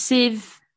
Sydd